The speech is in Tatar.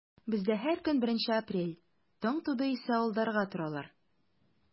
Бездә һәр көн беренче апрель, таң туды исә алдарга торалар.